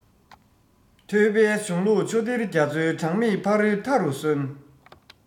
ཐོས པའི གཞུང ལུགས ཆུ གཏེར རྒྱ མཚོའི གྲངས མེད ཕ རོལ མཐའ རུ སོན